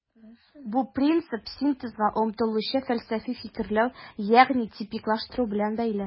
Бу принцип синтезга омтылучы фәлсәфи фикерләү, ягъни типиклаштыру белән бәйле.